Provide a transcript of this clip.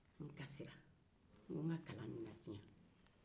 n kasira ko n ka kalan bɛna tiɲɛ